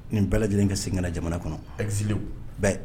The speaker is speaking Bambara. Nin bɛɛ lajɛlen ka segin ka na jamana kɔnɔ exilé bɛɛ